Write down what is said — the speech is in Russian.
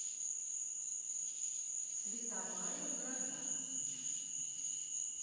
цветовая градация